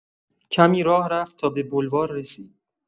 کمی راه رفت تا به بلوار رسید.